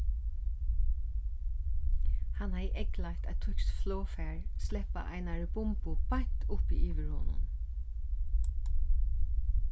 hann hevði eygleitt eitt týskt flogfar sleppa einari bumbu beint uppi yvir honum